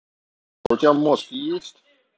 а у тебя мозг есть